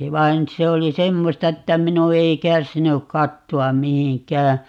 vaan se oli semmoista että minun ei kärsinyt katsoa mihinkään